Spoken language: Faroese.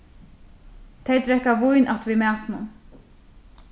tey drekka vín afturvið matinum